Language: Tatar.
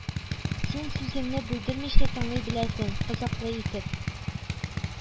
Син сүземне бүлдермичә тыңлый беләсең, кызыклы итеп